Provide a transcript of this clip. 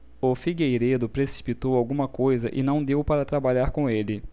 o figueiredo precipitou alguma coisa e não deu para trabalhar com ele